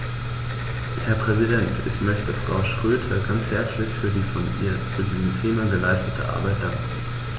Herr Präsident, ich möchte Frau Schroedter ganz herzlich für die von ihr zu diesem Thema geleistete Arbeit danken.